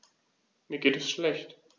Mir geht es schlecht.